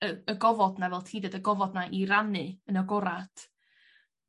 y y gofod 'na fel ti deud y gofod 'na i rannu yn agorad